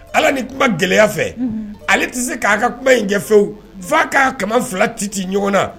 Ala ni kuma gɛlɛya fɛ ale tɛ se k'a ka kuma in kɛ fiyewu f'a ka kaman 2 cici ɲɔgɔn na.